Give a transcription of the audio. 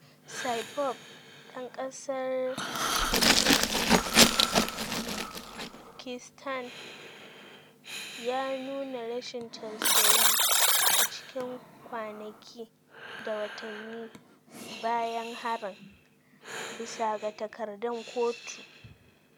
Saipov, dan kasar Uzbekistan, ya nuna rashin tausayi a cikin kwanaki da watanni bayan harin, bisa ga takardun kotu.